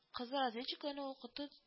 Кызыл разведчикларны ул, котыт